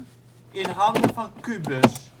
in handen van Qbuzz